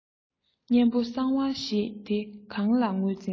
གཉན པོ གསང བ ཞེས པ དེ གང ལ ངོས འཛིན དགོས